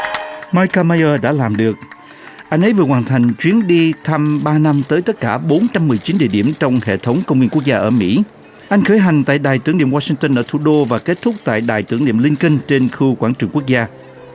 mai ca mây ơ đã làm được anh ấy vừa hoàn thành chuyến đi thăm ba năm tới tất cả bốn trăm mười chín địa điểm trong hệ thống công viên quốc gia ở mỹ anh khởi hành tại đài tưởng niệm oa sinh tơn ở thủ đô và kết thúc tại đài tưởng niệm linh kinh trên khu quảng trường quốc gia